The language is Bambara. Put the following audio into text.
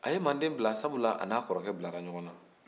a ye manden bila sabula a n'a kɔrɔkɛ bilara ɲɔgɔn na